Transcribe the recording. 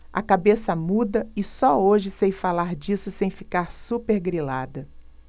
a cabeça muda e só hoje sei falar disso sem ficar supergrilada